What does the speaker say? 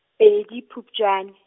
pedi Phupjane.